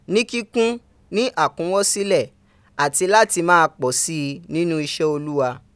Ni kikun, Ni akunwosile ati lati ma po sii ninu ise oluwa .